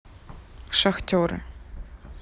шахтеры